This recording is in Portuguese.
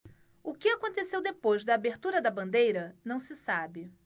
o que aconteceu depois da abertura da bandeira não se sabe